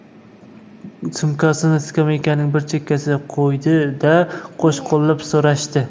sumkasini skameykaning bir chekkasiga qo'ydi da qo'sh qo'llab so'rashdi